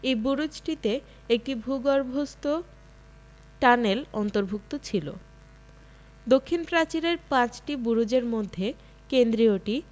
এই বুরুজটিতে একটি ভূগর্ভস্থ টানেল অন্তর্ভুক্ত ছিল দক্ষিণ প্রাচীরের পাঁচটি বুরুজের মধ্যে কেন্দ্রীয়টি